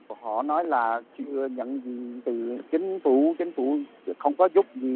họ nói là chưa nhận gì từ chính phủ chính phủ không có giúp gì